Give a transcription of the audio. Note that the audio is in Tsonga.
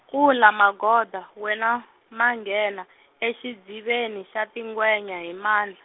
kula Magoda, wena manghena, exidziveni xa tingwenya hi mandla.